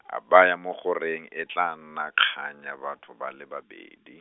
a baya mo go reng e tla nna kgang ya batho ba le babedi.